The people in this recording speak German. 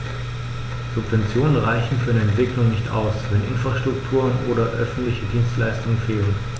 Subventionen reichen für eine Entwicklung nicht aus, wenn Infrastrukturen oder öffentliche Dienstleistungen fehlen.